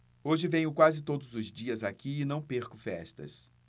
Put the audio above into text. hoje venho quase todos os dias aqui e não perco festas